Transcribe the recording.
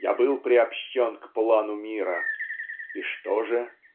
-- я был приобщен к плану мира. И что же?